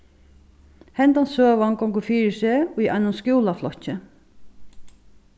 hendan søgan gongur fyri seg í einum skúlaflokki